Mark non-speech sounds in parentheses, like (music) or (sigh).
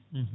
(hesitation) (hesitation)